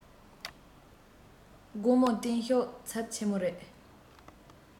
དགོང མོ བསྟན བཤུག ཚབས ཆེན མོ རེ